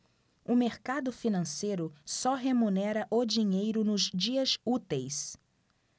o mercado financeiro só remunera o dinheiro nos dias úteis